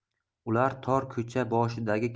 ular tor ko'cha boshidagi